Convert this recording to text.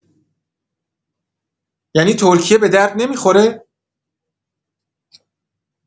یعنی ترکیه بدرد نمی‌خوره؟